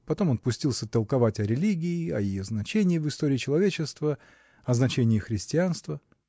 потом он пустился толковать о религии, о ее значении в истории человечества, о значении христианства.